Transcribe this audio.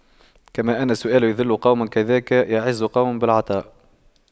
كما أن السؤال يُذِلُّ قوما كذاك يعز قوم بالعطاء